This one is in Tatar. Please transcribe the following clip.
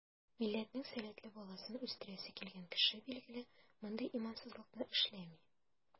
Милләтнең сәләтле баласын үстерәсе килгән кеше, билгеле, мондый имансызлыкны эшләми.